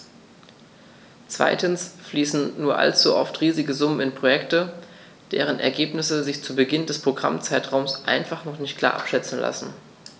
Zweitens fließen nur allzu oft riesige Summen in Projekte, deren Ergebnisse sich zu Beginn des Programmzeitraums einfach noch nicht klar abschätzen lassen.